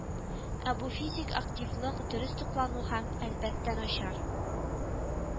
Ә бу физик активлык, дөрес туклану һәм, әлбәттә, начар